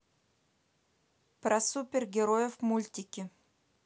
про супергероев мультики